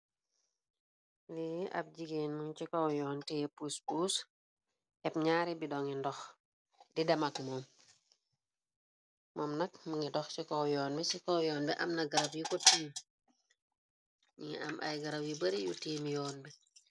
Lii ab jigéen mungi ci kow yoon tée pus pus ép ñaari bidong ngi ndox di damak moom. Moom nag mi ngi dox ci kow yoon bi, ci kow yoon bi amna garab yi ko teem am ay garaw yi bari yu tiim yoon bi.